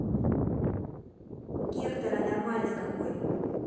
гектора нормальный какой